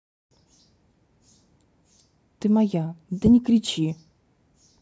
ты моя да не кричи